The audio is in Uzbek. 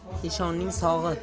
qozi eshonning sog'i